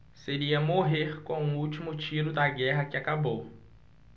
seria morrer com o último tiro da guerra que acabou